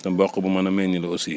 te mboq mu mën a meññ la aussi